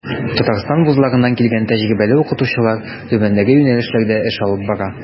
Татарстан вузларыннан килгән тәҗрибәле укытучылар түбәндәге юнәлешләрдә эш алып бара.